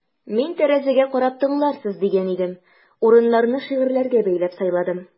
Мин тәрәзәгә карап тыңларсыз дигән идем: урыннарны шигырьләргә бәйләп сайладым.